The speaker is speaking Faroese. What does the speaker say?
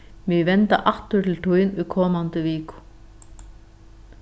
vit venda aftur til tín í komandi viku